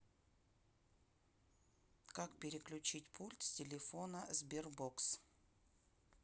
как переключить пульт с телефона sberbox